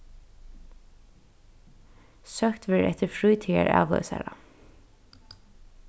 søkt verður eftir frítíðaravloysara